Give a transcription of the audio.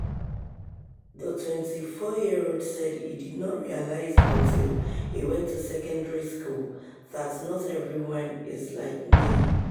The 24-year-old said he did not realize until he went to secondary school that "not everyone is like me."